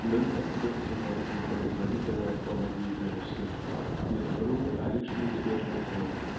но непосредственно не производительная форма деятельности не добро а лишь неизбежное зло